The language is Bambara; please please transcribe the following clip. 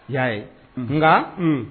I y'a ye nka